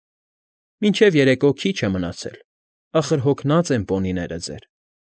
Մինչև երեկո Քիչ է մնացել. Ախր հոգնած են Պոնիները ձեր։